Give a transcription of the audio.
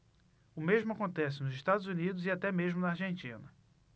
o mesmo acontece nos estados unidos e até mesmo na argentina